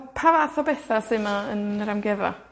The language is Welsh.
Pa fath o betha sy 'ma yn yr amgueddfa?